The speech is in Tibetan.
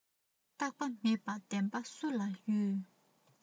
རྟག པ མེད པར བདེན པ སུ ལ ཡོད